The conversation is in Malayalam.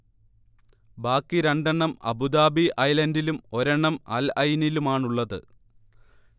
ബാക്കി രണ്ടെണ്ണം അബുദാബി ഐലൻഡിലും ഒരെണ്ണം അൽ ഐനിലുമാണുള്ളത്